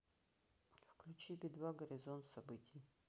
включи би два горизонт событий